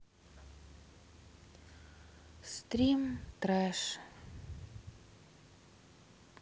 стрим треш